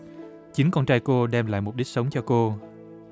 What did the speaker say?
chính con trai cô đem lại mục đích sống cho cô